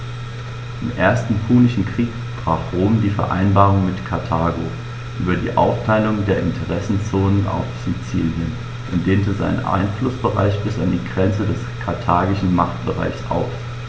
Im Ersten Punischen Krieg brach Rom die Vereinbarung mit Karthago über die Aufteilung der Interessenzonen auf Sizilien und dehnte seinen Einflussbereich bis an die Grenze des karthagischen Machtbereichs aus.